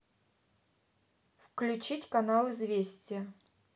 включить канал известия